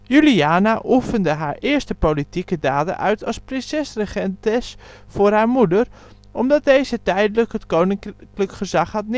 Juliana oefende haar eerste politieke daden uit als prinses-regentes voor haar moeder, omdat deze tijdelijk het Koninklijk Gezag had